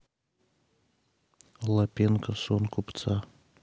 лапенко сон купца